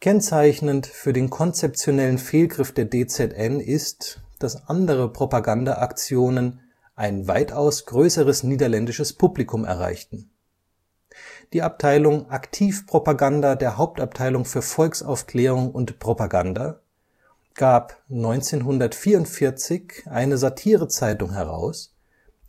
Kennzeichnend für den konzeptionellen Fehlgriff der DZN ist, dass andere Propagandaaktionen ein weitaus größeres niederländisches Publikum erreichten. Die Abteilung Aktivpropaganda der Hauptabteilung für Volksaufklärung und Propaganda gab 1944 mit De Gil eine Satirezeitung heraus,